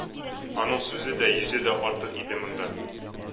Аның сүзе дә, үзе дә артык иде монда.